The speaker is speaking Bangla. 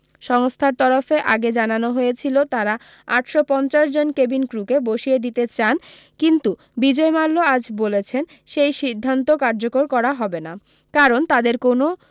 সংস্থার তরফে আগে জানানো হয়েছিলো তাঁরা আটশ পঞ্চাশ জন কেবিন ক্রূকে বসিয়ে দিতে চান কিন্তু বিজয় মাল্য আজ বলেছেন সেই সিদ্ধান্ত কার্যকর করা হবে না কারণ তাঁদের কোনও